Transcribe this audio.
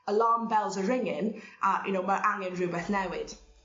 alarm bells are ringing a you know ma' angen rhywbeth newid.